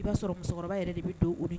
I b'a sɔrɔ musokɔrɔba yɛrɛ de bɛ don o